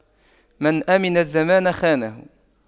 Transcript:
من أَمِنَ الزمان خانه